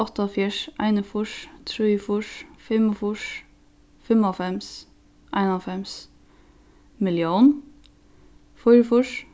áttaoghálvfjerðs einogfýrs trýogfýrs fimmogfýrs fimmoghálvfems einoghálvfems millión fýraogfýrs